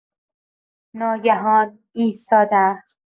ناگهان ایستادم.